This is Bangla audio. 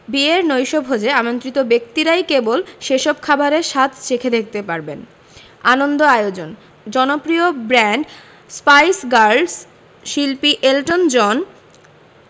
বিয়ের নৈশভোজে আমন্ত্রিত ব্যক্তিরাই কেবল সেসব খাবারের স্বাদ চেখে দেখতে পারবেন আনন্দ আয়োজন জনপ্রিয় ব্যান্ড স্পাইস গার্লস শিল্পী এলটন জন